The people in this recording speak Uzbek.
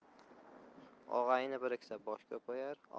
og'ayni biriksa bosh ko'payar